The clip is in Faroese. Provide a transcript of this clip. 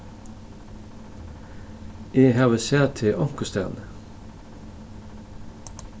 eg havi sæð teg onkustaðni